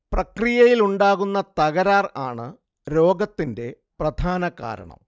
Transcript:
പ്രക്രിയയിലുണ്ടാകുന്ന തകരാർ ആണ് രോഗത്തിന്റെ പ്രധാനകാരണം